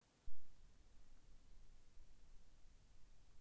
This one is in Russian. детский алфавит